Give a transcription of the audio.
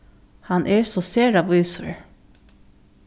hann er so sera vísur